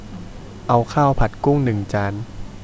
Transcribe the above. เอาข้าวผัดกุ้งหนึ่งจาน